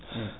eyyi